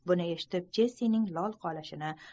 buni eshitib jessining lol qolishini